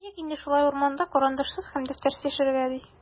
Ничек инде шулай, урманда карандашсыз һәм дәфтәрсез яшәргә, ди?!